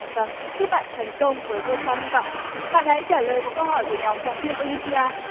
vầng chúc bạn thành công với ngôi sao hi vọng bạn hãy trả lời một câu hỏi của nhóm phóng viên ô lim pi a